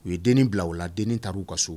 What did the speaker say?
U ye dennin bila, o la dennin taar'u ka so